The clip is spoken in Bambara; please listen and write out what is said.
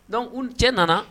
Donc Ould cɛ nana